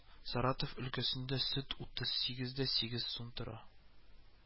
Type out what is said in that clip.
Саратов өлкәсендә сөт утыз сигез дә сигез сум тора